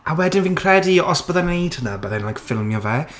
A wedyn fi'n credu os bydda i'n wneud hwnna bydda i'n like ffilmio fe.